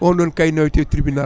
oɗon kayit nawete tribunal